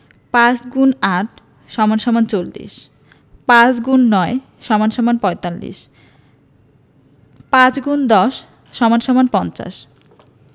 ৫× ৮ = ৪০ ৫x ৯ = ৪৫ ৫×১০ = ৫০